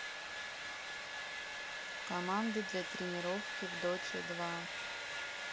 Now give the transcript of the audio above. команды для тренировки в доче два